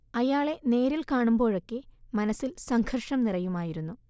അയാളെ നേരിൽ കാണുമ്പോഴൊക്കെ മനസ്സിൽ സംഘര്ഷം നിറയുമായിരുന്നു